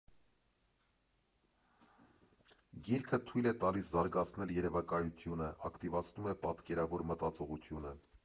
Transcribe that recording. Գիրքը թույլ է տալիս զարգացնել երևակայությունը, ակտիվացնում է պատկերավոր մտածողությունը։